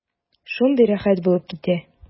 Шундый рәхәт булып китә.